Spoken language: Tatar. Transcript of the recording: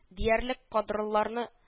Диярлек кадрларны